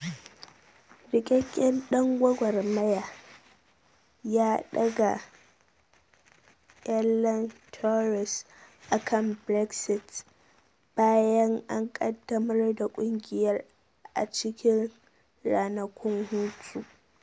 Rikakken dan gwagwarmaya ya daga kyalen Tories akan Brexit bayan an kaddamar da kungiyar a cikin ranakun hutu.